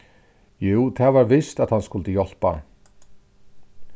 jú tað var vist at hann skuldi hjálpa